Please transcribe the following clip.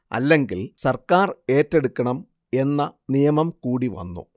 അല്ലെങ്കിൽ സർക്കാർ ഏറ്റെടുക്കണം എന്ന നിയമം കൂടി വന്നു